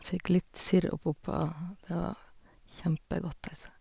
Fikk litt sirup oppå, og det var kjempegodt, altså.